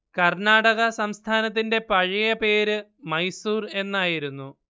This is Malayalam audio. കർണാടക സംസ്ഥാനത്തിന്റെ പഴയ പേര് മൈസൂർ എന്നായിരുന്നു